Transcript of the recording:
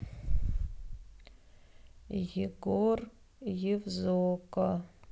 егор евзока